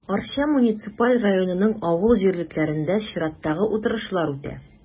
Арча муниципаль районының авыл җирлекләрендә чираттагы утырышлар үтә.